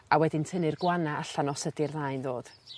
a wedyn tynnu'r gwana allan os ydi'r ddau yn ddod.